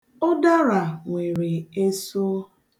Ụdara nwere eso.